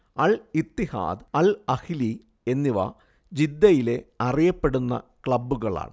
അൽ Ittihad Al Ahli എന്നിവ ജിദ്ദയിലെ അറിയപ്പെടുന്ന ക്ലബ്ബുകളാണ്